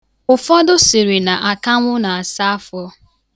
Ụfọdụ sịrị na akanwụ na-asa afọ.